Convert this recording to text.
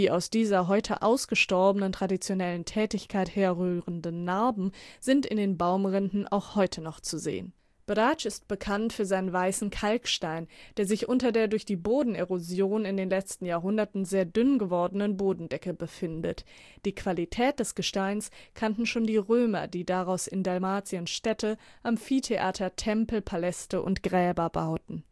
aus dieser heute ausgestorbenen traditionellen Tätigkeit herrührenden Narben sind in den Baumrinden auch heute noch zu sehen. Brač ist bekannt für seinen weißen Kalkstein, der sich unter der durch die Bodenerosion in den letzten Jahrhunderten sehr dünn gewordenen Bodendecke befindet. Die Qualität des Gesteins kannten schon die Römer, die daraus in Dalmatien Städte, Amphitheater, Tempel, Paläste und Gräber bauten